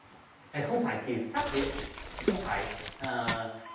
hải không phải thì phát hiện không phải à